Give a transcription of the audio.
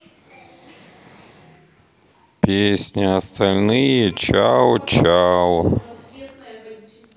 песня остальные чао чао